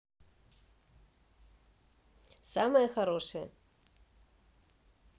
самое хорошее